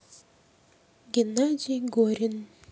геннадий горин